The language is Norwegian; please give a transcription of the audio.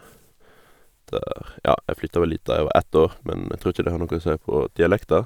der Ja, jeg flytta vel dit da jeg var ett år, men jeg tror ikke det har noe å si på dialekten.